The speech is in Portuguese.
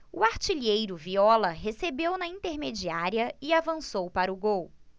o artilheiro viola recebeu na intermediária e avançou para o gol